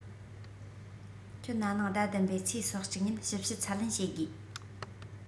ཁྱོད ན ནིང ཟླ ༧ པའི ཚེས ༣༡ ཉིན ཞིབ དཔྱད ཚད ལེན བྱ དགོས